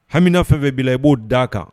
Hamiina fɛnfɛ b bila i b'o da a kan